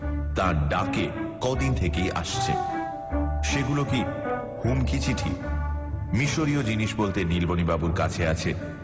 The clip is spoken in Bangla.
তার ডাকে কদিন থেকেই আসছে সেগুলো কি হুমকি চিঠি মিশরীয় জিনিস বলতে নিলমণি বাবুর কাছে আছে